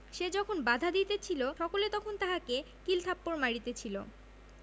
সে যখন বাধা দিতেছিল সকলে তখন তাহাকে কিল থাপ্পর মারিতেছিল